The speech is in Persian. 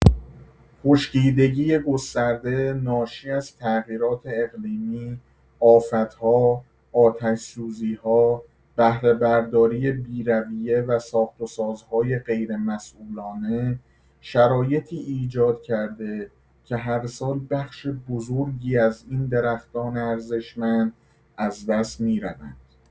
خشکیدگی گسترده ناشی از تغییرات اقلیمی، آفت‌ها، آتش‌سوزی‌ها، بهره‌برداری بی‌رویه و ساخت‌وسازهای غیرمسئولانه شرایطی ایجاد کرده که هر سال بخش بزرگی از این درختان ارزشمند از دست می‌روند.